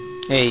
eyyi